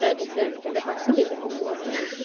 Se- os e'n cerdded pasio fi fyddwn i ddim yn gwbod llai!